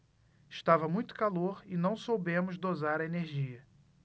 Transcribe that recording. estava muito calor e não soubemos dosar a energia